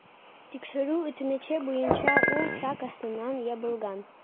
Тикшерү үтенече буенча ул сак астына ябылган.